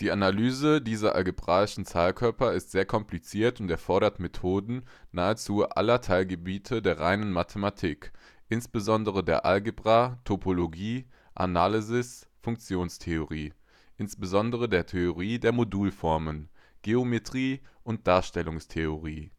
Analyse dieser algebraischen Zahlkörper ist sehr kompliziert und erfordert Methoden nahezu aller Teilgebiete der reinen Mathematik, insbesondere der Algebra, Topologie, Analysis, Funktionentheorie (insbesondere der Theorie der Modulformen), Geometrie und Darstellungstheorie